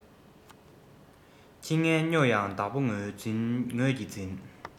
ཁྱི ངན སྨྱོ ཡང བདག པོ ངོས ཀྱིས འཛིན